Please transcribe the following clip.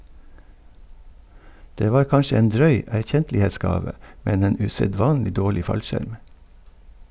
Det var kanskje en drøy erkjentlighetsgave, men en usedvanlig dårlig fallskjerm.